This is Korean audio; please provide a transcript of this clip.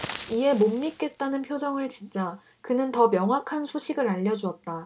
이에 못 믿겠다는 표정을 짓자 그는 더 명확한 소식을 알려주었다